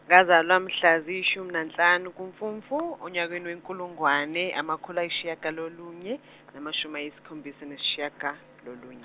ngazalwa mhla ziyishumi nanhlanu kuMfumfu, onyakeni wenkulungwane amakhulu ayisishiyagalolunye namashumi ayisikhombisa nesishiyagalolunye.